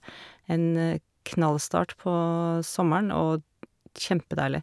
En knallstart på sommeren, og kjempedeilig.